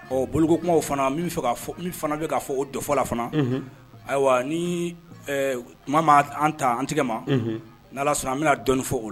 Ɔ boloko kuma fana fɛ fana k'a fɔ o dɔfɔla fana ayiwa ni tuma ma an ta antigɛ ma n'a sɔnna a n bɛna dɔni fɔ o